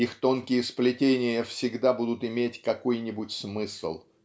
их тонкие сплетения всегда будут иметь какой-нибудь смысл